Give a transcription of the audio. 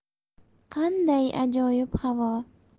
qanday ajoyib havo